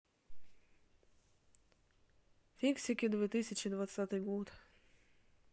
фиксики две тысячи двадцатый год